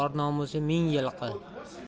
or nomusi ming yilqi